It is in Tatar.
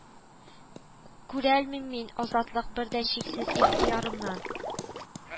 Күрәлмим мин азатлык бер дә чиксез ихтыярымнан